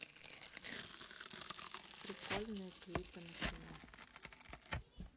прикольные клипы на кино